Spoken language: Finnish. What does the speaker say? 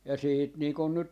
ja sitten niin kuin nyt